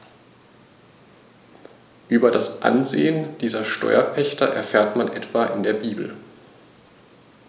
Über das Ansehen dieser Steuerpächter erfährt man etwa in der Bibel.